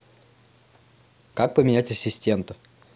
как поменять ассистента